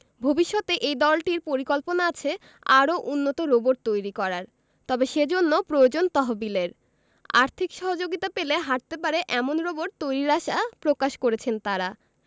ভবিষ্যতে এই দলটির পরিকল্পনা আছে আরও উন্নত রোবট তৈরি করার তবে সেজন্য প্রয়োজন তহবিলের আর্থিক সহযোগিতা পেলে হাটতে পারে এমন রোবট তৈরির আশা প্রকাশ করেছেন তারা